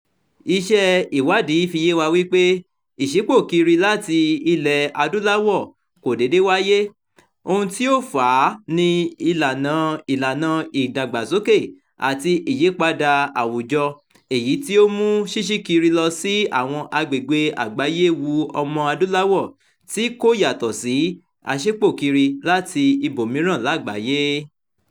Iṣẹ́ ìwádìí fi yé wípé àwọn ìṣípòkiri láti Ilẹ̀-adúláwọ̀ kò déédéé wáyé, ohun tí ó fà á ni "ìlànà ìdàgbàsókè àti ìyípadà àwùjọ" èyí tí ó ń mú ṣíṣíkiri lọ sí àwọn agbègbè àgbáyé wu Ọmọ-adúláwọ̀ — tí kò yàtọ̀ sí aṣípòkiri láti ibòmìíràn lágbàáyé.